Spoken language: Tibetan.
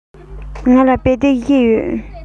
ང ལ དཔེ དེབ བཞི ཡོད